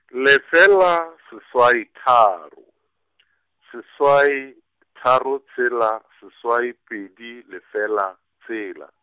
lefela seswai tharo , seswai, tharo tshela, seswai pedi, lefela, tshela.